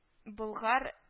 Болгар